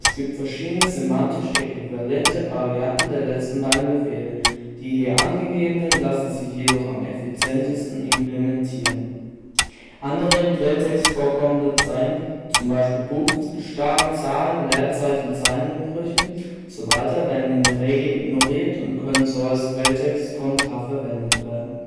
gibt verschiedene semantisch äquivalente Varianten der letzten beiden Befehle, die hier angegebenen lassen sich jedoch am effizientesten implementieren. Andere im Quelltext vorkommende Zeichen (z. B. Buchstaben, Zahlen, Leerzeichen, Zeilenumbrüche) werden in der Regel ignoriert und können so als Quelltextkommentar verwendet werden